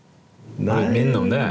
har du et minne om det?